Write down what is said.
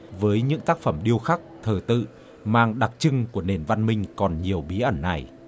với những tác phẩm điêu khắc thờ tự mang đặc trưng của nền văn minh còn nhiều bí ẩn này